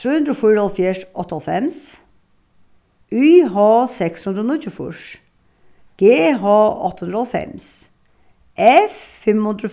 trý hundrað og fýraoghálvfjerðs áttaoghálvfems y h seks hundrað og níggjuogfýrs g h átta hundrað og hálvfems f fimm hundrað og